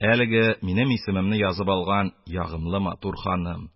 Әлеге минем исемемне язып алган ягымлы, матур ханым...